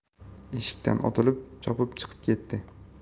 eshikdan otilib chopib chiqib ketdi